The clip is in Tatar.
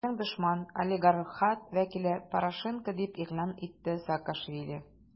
Безнең дошман - олигархат вәкиле Порошенко, - дип игълан итте Саакашвили.